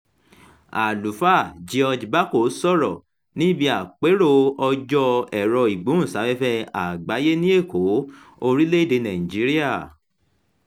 Àlùfáà George Bako sọ̀rọ̀ níbi àpérò Ọjọ́ Ẹ̀rọ-ìgbóhùnsáfẹ́fẹ́ Àgbáyé ní Èkó, orílẹ̀-èdèe Nàìjíríà.